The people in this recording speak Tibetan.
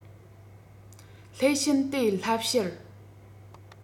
སླད ཕྱིན དེ བསླབ བྱར